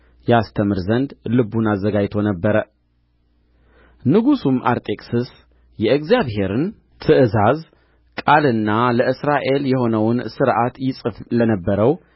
ያስተምር ዘንድ ልቡን አዘጋጅቶ ነበር ንጉሡም አርጤክስስ የእግዚአብሔርን ትእዛዝ ቃልና ለእስራኤል የሆነውን ሥርዓት ይጽፍ ለነበረው